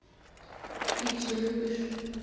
пиццу любишь